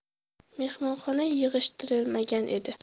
mehmonxona yig'ishtirilmagan edi